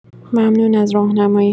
ممنون از راهنمایی